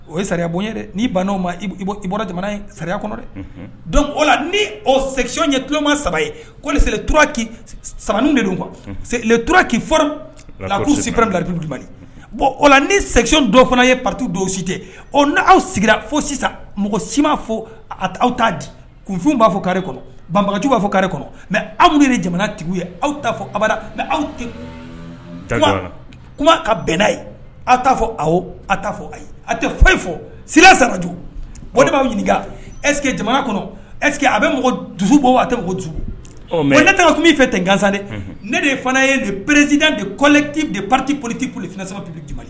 O ye sariya bon ye dɛ n'i banw ma i bɔra jamana ye sariya kɔnɔ dɛ don o la ni o sɛy ye tuloloma saba ye ko saba de torauraki fɔ katusipkitu bɔn o la ni sɛyɔn dɔ fana ye pati dosite o n'aw sigira fo sisan mɔgɔ si m' fɔ aw t' di kunfin b'a fɔ kari kɔnɔ banbajugu b'a fɔ kari kɔnɔ mɛ anw de ye jamana tigi ye aw'a fɔ a mɛ aw kuma ka bɛnna'a ye aw t'a fɔ a aw' fɔ ayi ye aw tɛ fa fɔ sira sabaju o de b'a ɲininka eske jamana kɔnɔ eske a bɛ mɔgɔ dusu bɔ a tɛjugu mɛ ne taa tun' fɛ tɛ gansan ne de fana ye nin perezsid de kɔlɛti de pati politipoli fina sabatibali